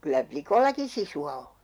kyllä likoillakin sisua on